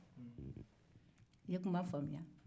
i ye kuma faamuya wa